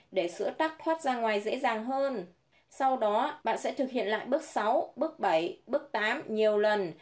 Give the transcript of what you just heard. để sữa tắc thoát ra ngoài dễ dàng hơn sau đó bạn sẽ thực hiện lại bước bước bước nhiều lần